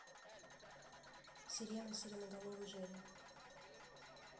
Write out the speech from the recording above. сирена сиреноголовый женя